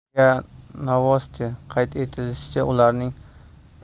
ria novosti qayd etilishicha ularning